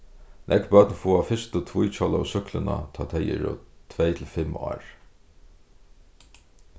nógv børn fáa fyrstu tvíhjólaðu súkkluna tá eru tvey til fimm ár